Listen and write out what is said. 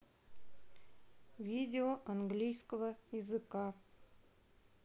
видео английского языка